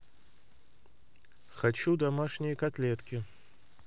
хочу домашние котлетки